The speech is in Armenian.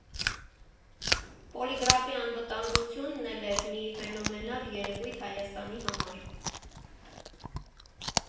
Պոլիգրաֆի անվտանգությունն էլ էր մի ֆենոմենալ երևույթ Հայաստանի համար։